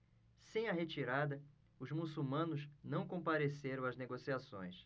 sem a retirada os muçulmanos não compareceram às negociações